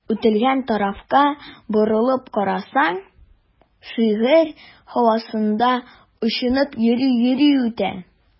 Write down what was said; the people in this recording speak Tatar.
Үтелгән тарафка борылып карасаң, шигырь һавасында очынып йөри-йөри үтә.